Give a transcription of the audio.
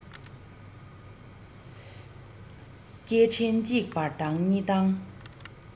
སྐད འཕྲིན གཅིག བཏང གཉིས བཏང